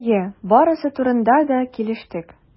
Әйе, барысы турында да килештек.